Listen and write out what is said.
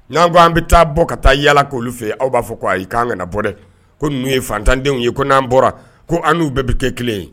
Nan kan bi taa bɔ ka taa yala kolu fe yen, aw ba fɔ ko ayi kan kana bɔ dɛ . No nunun ye fatandenw ye ko nan bɔra ko anu bɛɛ bi kɛ kelen ye.